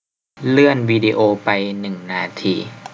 เลื่อนวีดีโอไปหนึ่งนาที